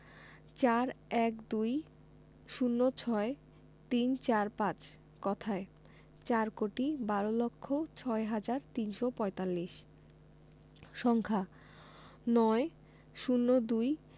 ৪ ১২ ০৬ ৩৪৫ কথায়ঃ চার কোটি বার লক্ষ ছয় হাজার তিনশো পঁয়তাল্লিশ সংখ্যাঃ ৯ ০২